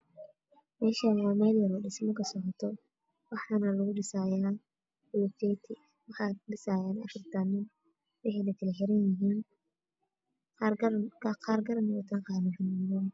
Meshan waa mel yare oo dhismo kasocoto waxan lakudhisaya bulketi waxan kudhisayo afratan nin waxeyna kala xiran yahin qar garan eey watan qarna danand